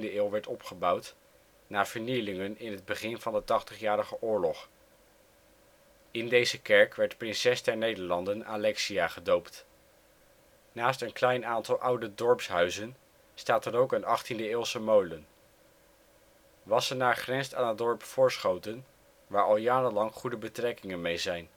eeuw werd opgebouwd na vernielingen in het begin van de Tachtigjarige Oorlog. In deze kerk werd prinses der Nederlanden Alexia gedoopt. Naast een klein aantal oude dorpshuizen staat er ook een achttiende-eeuwse molen. Wassenaar grenst aan het dorp Voorschoten waar al jarenlang goede betrekkingen mee zijn